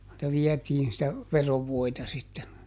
sitä vietiin sitä veronvoita sitten